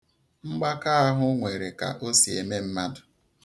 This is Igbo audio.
Mgbaka ahụ nwere ka o si eme mmadụ.